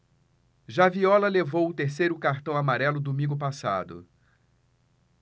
já viola levou o terceiro cartão amarelo domingo passado